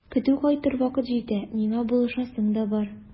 Көтү кайтыр вакыт җитә, миңа булышасың да бар.